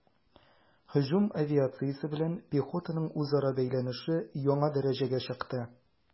Һөҗүм авиациясе белән пехотаның үзара бәйләнеше яңа дәрәҗәгә чыкты.